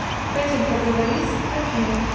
хотим поговорить с афиной